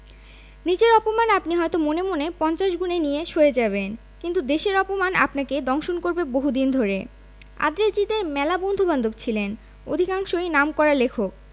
নিজের অপমান আপনি হয়ত মনে মনে পঞ্চাশ গুণে নিয়ে সয়ে যাবেন কিন্তু দেশের অপমান আপনাকে দংশন করবে বহুদিন ধরে আঁদ্রে জিদে র মেলা বন্ধুবান্ধব ছিলেন অধিকাংশই নামকরা লেখক